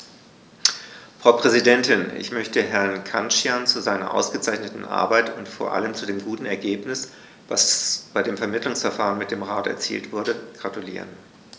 Frau Präsidentin, ich möchte Herrn Cancian zu seiner ausgezeichneten Arbeit und vor allem zu dem guten Ergebnis, das bei dem Vermittlungsverfahren mit dem Rat erzielt wurde, gratulieren.